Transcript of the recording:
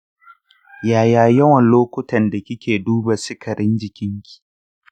ya ya yawan lokutan da kike duba sikarin jininki?